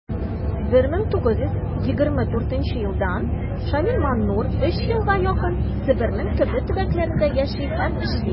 1924 елдан ш.маннур өч елга якын себернең төрле төбәкләрендә яши һәм эшли.